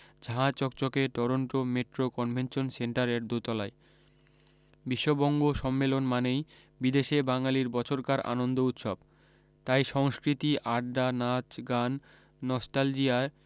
ঝাঁ চকচকে Toronto Metro Convention সেন্টারের দোতলায় বিশ্ববঙ্গ সম্মেলন মানেই বিদেশে বাঙালির বছরকার আনন্দ উৎসব তাই সংস্কৃতি আড্ডা নাচ গান নস্টালজিয়ার